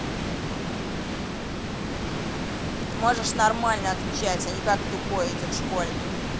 ты можешь нормально отвечать а не как тупой идет школьник